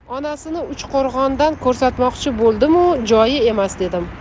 onasini uchqo'rg'ondan ko'rsatmoqchi bo'ldimu joyi emas dedim